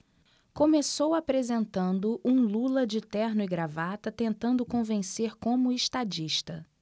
começou apresentando um lula de terno e gravata tentando convencer como estadista